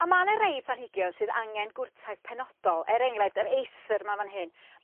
A ma' 'ne rei planhigion sydd angen gwrtaith penodol er enghraifft yr Acer 'ma fan hyn.